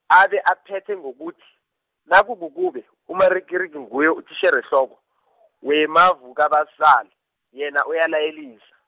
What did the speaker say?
abe aphethe ngokuthi, naku- kukube, uMarikiriki nguye utitjherehloko , weMavukabesala, yena uyalayelisa.